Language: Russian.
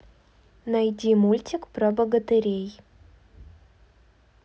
найди мультик про богатырей